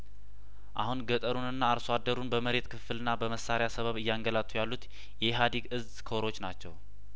አሁን ገጠሩንና አርሶ አደሩን በመሬት ክፍፍልና በመሳሪያ ሰበብ እያንገላቱ ያሉት የኢህአዲግ እዝኮሮች ናቸው